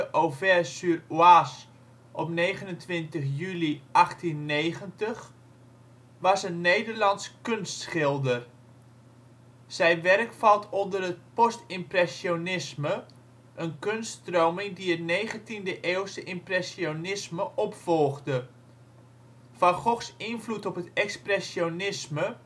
Auvers-sur-Oise, 29 juli 1890) was een Nederlands kunstschilder. Zijn werk valt onder het postimpressionisme, een kunststroming die het negentiende-eeuwse impressionisme opvolgde. Van Goghs invloed op het expressionisme